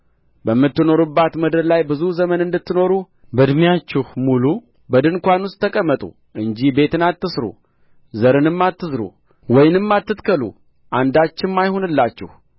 በምትኖሩባት ምድር ላይ ብዙ ዘመን እንድትኖሩ በዕድሜአችሁ ሙሉ በድንኳን ውስጥ ተቀመጡ እንጂ ቤትን አትሥሩ ዘርንም አትዝሩ ወይንም አትትከሉ አንዳችም አይሁንላችሁ